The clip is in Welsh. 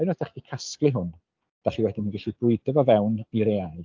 Unwaith dach chi 'di casglu hwn dach chi wedyn yn gallu bwydo fo fewn i'r AI.